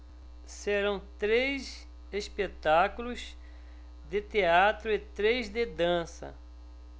serão três espetáculos de teatro e três de dança